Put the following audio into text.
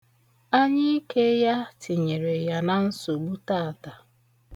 Anyiike ya tinyere ya na nsogbu taata.